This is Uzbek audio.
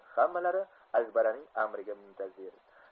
hammalari akbaraning amriga muntazir